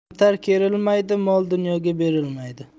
kamtar kerilmaydi mol dunyoga berilmaydi